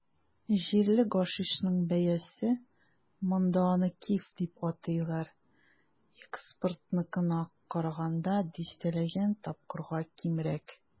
Җирле гашишның бәясе - монда аны "киф" дип атыйлар - экспортныкына караганда дистәләгән тапкырга кимрәк.